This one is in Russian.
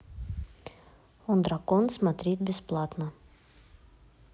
он дракон смотреть бесплатно